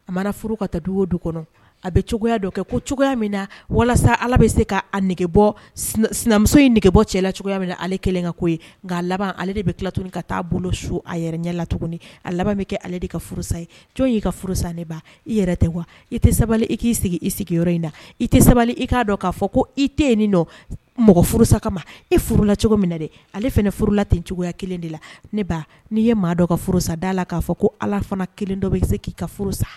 A mana furu ka dugu du kɔnɔ a bɛ cogoya kɛ ko cogoya min na walasa ala bɛ se k' sinamuso in nɛgɛ bɔ cɛ cogoyaya min na ale ka ko ye nka laban ale de bɛ tilat ka'a bolo su a yɛrɛ ɲɛ la tuguni a laban bɛ kɛ ale de ka furusa ye jɔn y'i ka furu san ne i yɛrɛ tɛ wa i tɛ sabali i k'i sigi i sigi in na i tɛ sabali i kaa dɔn'a fɔ ko i tɛ yen nin mɔgɔ furusa ka ma e furula cogo min na dɛ ale fana furula ten cogoya kelen de la ne n'i ye maa dɔn ka furusada la k'a fɔ ko ala fana kelen dɔ bɛ se k'i ka furu sa